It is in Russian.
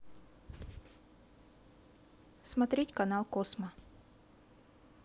смотреть канал космо